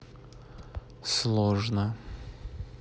сложно